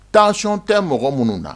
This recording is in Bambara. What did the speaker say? Tancon tɛ mɔgɔ minnu na